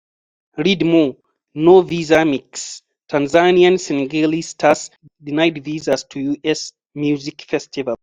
Read more: ‘No Visa Mix': Tanzanian singeli stars denied visas to US music festival